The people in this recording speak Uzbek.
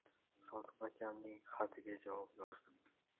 sodiq akamning xatiga javob yozdim